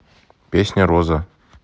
песня роза